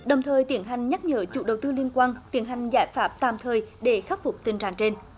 đồng thời tiến hành nhắc nhở chủ đầu tư liên quan tiến hành giải pháp tạm thời để khắc phục tình trạng trên